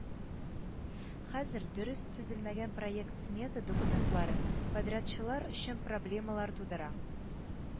Хәзер дөрес төзелмәгән проект-смета документлары подрядчылар өчен проблемалар тудыра